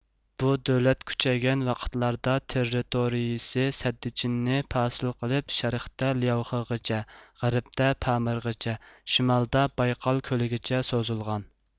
بۇ دۆلەت كۈچەيگەن ۋاقىتلاردا تېررىتورىيىسى سەددىچىننى پاسىل قىلىپ شەرقتە لياۋخېغىچە غەربتە پامىرغىچە شىمالدا بايقال كۆلىگىچە سوزۇلغان